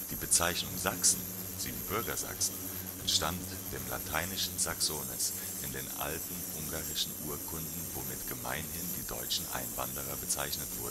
Bezeichnung „ Sachsen “(Siebenbürger Sachsen) entstammt dem Lateinischen Saxones in den alten ungarischen Urkunden, womit gemeinhin die deutschen Einwanderer bezeichnet